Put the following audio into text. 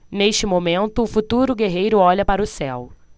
neste momento o futuro guerreiro olha para o céu